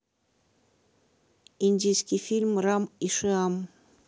индийский фильм рам и шиам